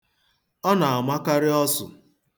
Ọ na-amakarị ọsụ.